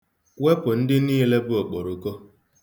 Wepụ ndị niile bụ okporoko.